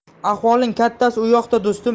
ahvolning kattasi u yoqda do'stim